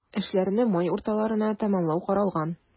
Эшләрне май урталарына тәмамлау каралган.